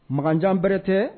Makanjan Bɛrɛtɛ